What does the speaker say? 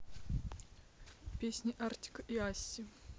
песни artik и asti